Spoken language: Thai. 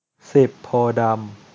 สิบโพธิ์ดำ